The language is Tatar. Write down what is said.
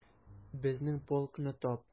Безнең полкны тап...